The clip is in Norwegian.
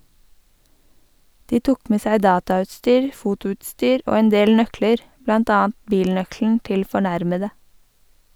De tok med seg datautstyr, fotoutstyr og en del nøkler, blant annet bilnøkkelen til fornærmede.